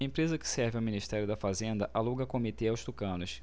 empresa que serve ao ministério da fazenda aluga comitê aos tucanos